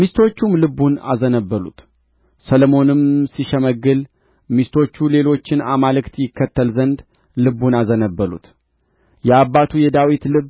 ሚስቶቹም ልቡን አዘነበሉት ሰሎሞንም ሲሸመግል ሚስቶቹ ሌሎችን አማልክት ይከተል ዘንድ ልቡን አዘነበሉት የአባቱ የዳዊት ልብ